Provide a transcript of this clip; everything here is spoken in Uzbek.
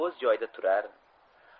o'z joyida turar